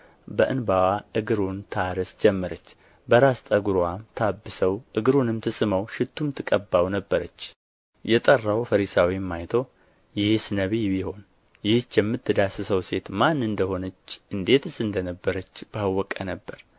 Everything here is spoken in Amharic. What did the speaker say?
በእንባዋ እግሩን ታርስ ጀመረች በራስ ጠጕርዋም ታብሰው እግሩንም ትስመው ሽቱም ትቀባው ነበረች የጠራው ፈሪሳዊም አይቶ ይህስ ነቢይ ቢሆን ይህች የምትዳስሰው ሴት ማን እንደ ሆነች እንዴትስ እንደ ነበረች ባወቀ ነበር